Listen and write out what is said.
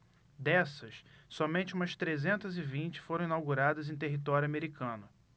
dessas somente umas trezentas e vinte foram inauguradas em território americano